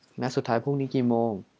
นัดสุดท้ายพรุ่งนี้กี่โมง